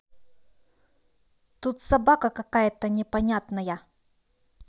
тут собака какая то непонятная